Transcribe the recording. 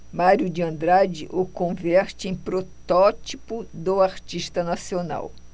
mário de andrade o converte em protótipo do artista nacional